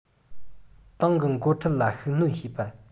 ཏང གི འགོ ཁྲིད ལ ཤུགས སྣོན བྱེད པ